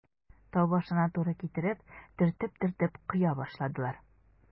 Тау башына туры китереп, төртеп-төртеп коя башладылар.